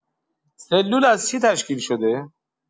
سلول از چی تشکیل شده؟